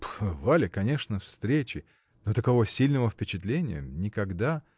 — Бывали, конечно, встречи, но такого сильного впечатления никогда.